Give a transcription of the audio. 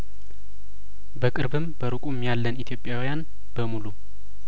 በቅርብም በሩቁም ያለን ኢትዮጵያውያን በሙሉ